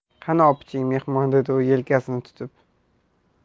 qani opiching mehmon dedi u yelkasini tutib